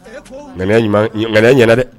Ŋ ɲɛnaɛnɛ dɛ